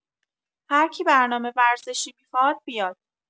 هرکی برنامه ورزشی میخواد بیاد